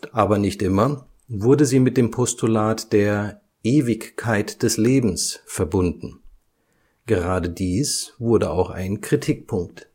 aber nicht immer, wurde sie mit dem Postulat der Ewigkeit des Lebens verbunden; gerade dies wurde auch ein Kritikpunkt